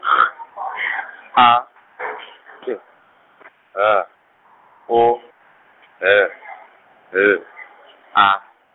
G A T L O L L A.